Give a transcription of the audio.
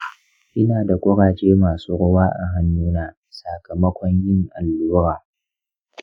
ina da kuraje masu ruwa a hannuna sakamakon yin allura.